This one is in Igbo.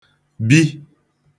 bi